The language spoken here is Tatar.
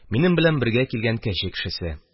Минем белән бергә килгән Кәче кешесе.